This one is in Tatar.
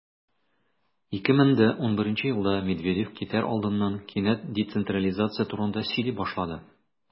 2011 елда медведев китәр алдыннан кинәт децентрализация турында сөйли башлады.